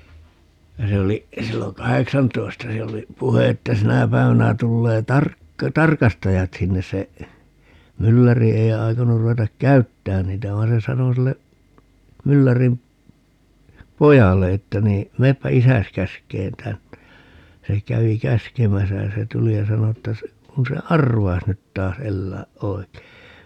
ja se oli silloin kahdeksantoista siellä oli puhe että sinä päivänä tulee - tarkastajat sinne se mylläri ei aikonut ruveta käyttämään niitä vaan se sanoi sille myllärin pojalle että niin menepä isäsi käskemään tänne ja se kävi käskemässä ja se tuli ja sanoi että se kun se arvaisi nyt taas elää oikein